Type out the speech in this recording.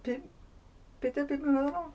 pump pedair pump mlynedd yn ôl?